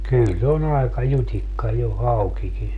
kyllä se on aika jutikka jo haukikin